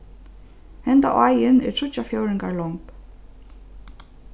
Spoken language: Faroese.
henda áin er tríggjar fjórðingar long